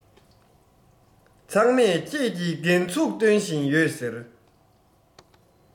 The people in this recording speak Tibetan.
ཚང མས ཁྱེད ཀྱིས རྒན ཚུགས སྟོན བཞིན ཡོད ཟེར